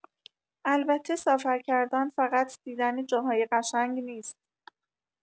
البته سفر کردن فقط دیدن جاهای قشنگ نیست.